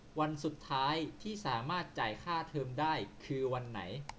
วันสุดท้ายที่สามารถจ่ายค่าเทอมได้คือวันไหน